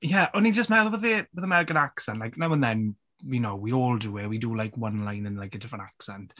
Ie o'n i jyst meddwl fe- with American accent like now and then, you know, we all do it, we do like one line in like a different accent.